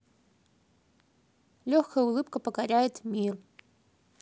легкая улыбка покоряет мир